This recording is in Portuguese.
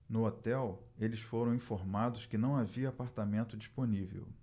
no hotel eles foram informados que não havia apartamento disponível